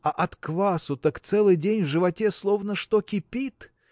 а от квасу так целый день в животе словно что кипит!